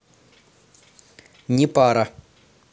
не пара